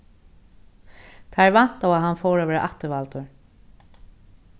teir væntaðu at hann fór at verða afturvaldur